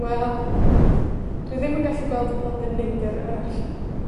Wel, dwi ddim yn gallu gweld Blodyn Neidyr arall.